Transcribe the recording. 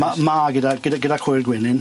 Ma' ma' gyda gyda gyda cwyr gwenyn.